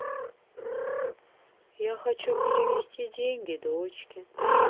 я хочу перевести деньги дочке